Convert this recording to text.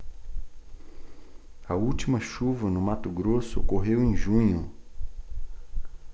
a última chuva no mato grosso ocorreu em junho